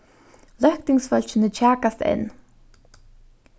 løgtingsfólkini kjakast enn